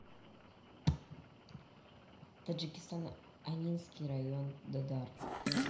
таджикистан аннинский район дадар